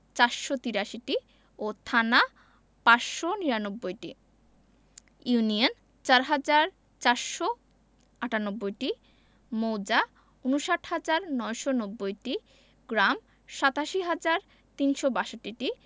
৪৮৩টি ও থানা ৫৯৯টি ইউনিয়ন ৪হাজার ৪৯৮টি মৌজা ৫৯হাজার ৯৯০টি গ্রাম ৮৭হাজার ৩৬২টি